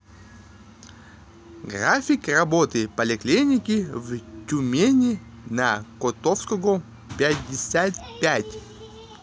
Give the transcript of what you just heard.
график работы поликлиники в тюмени на котовского пятьдесят пять